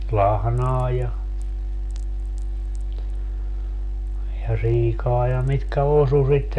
lahnaa ja ja siikaa ja mitkä osui sitten